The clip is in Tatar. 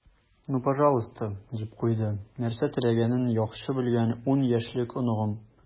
"ну пожалуйста," - дип куйды нәрсә теләгәнен яхшы белгән ун яшьлек оныгым.